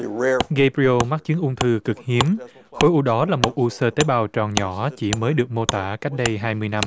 ge pi ô mắc chứng ung thư cực hiếm khối u đó là một u sơ tế bào tròn nhỏ chỉ mới được mô tả cách đây hai năm